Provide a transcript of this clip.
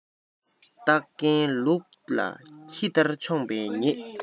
སྟག རྒན ལུག ལ ཁྱི ལྟར མཆོངས པས ཉེས